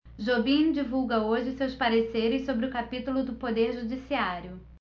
jobim divulga hoje seus pareceres sobre o capítulo do poder judiciário